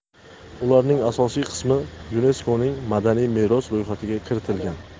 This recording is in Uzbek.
ularning asosiy qismi yuneskoning madaniy meros ro'yxatiga kiritilgan